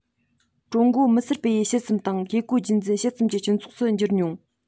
ཀྲུང གོ མི སེར སྤེལ ཡུལ ཕྱེད ཙམ དང བཀས བཀོད རྒྱུད འཛིན ཕྱེད ཙམ གྱི སྤྱི ཚོགས སུ འགྱུར མྱོང